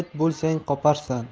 it bo'lsang qoparsan